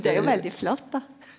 det er jo veldig flott då.